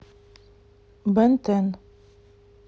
бен тен